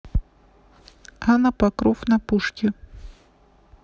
ана покров на пушке